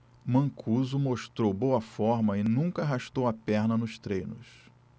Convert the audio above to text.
mancuso mostrou boa forma e nunca arrastou a perna nos treinos